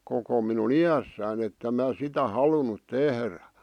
koko minun iässäni että en minä sitä halunnut tehdä